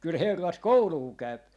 kyllä herrat koulua käy